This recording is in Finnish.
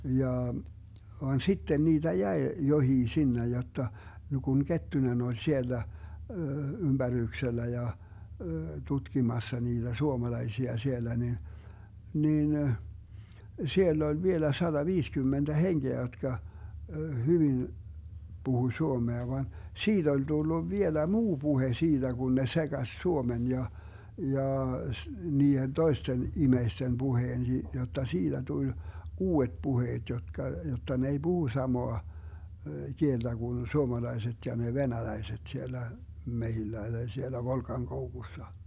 jaa vaan sitten niitä jäi jokin sinne jotta ja kun Kettunen oli siellä ympäryksellä ja tutkimassa niitä suomalaisia siellä niin niin siellä oli vielä sataviisikymmentä henkeä jotka hyvin puhui suomea vaan siitä oli tullut vielä muu puhe siitä kun ne sekasi suomen ja jaa - niiden toisten ihmisten puheen - jotta siitä tuli uudet puheet jotka jotta ne ei puhu samaa kieltä kuin suomalaiset ja ne venäläiset siellä metsillä tai siellä Volkankoukussa